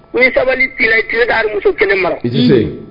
Ni sabali t'i la i tise ka hali muso 1 mara i tise unhun